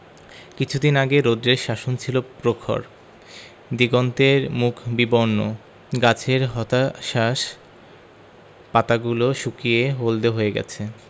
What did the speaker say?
কিছুদিন আগে রৌদ্রের শাসন ছিল প্রখর দিগন্তের মুখ বিবর্ণ গাছের হতাশ্বাস পাতাগুলো শুকিয়ে হলদে হয়ে গেছে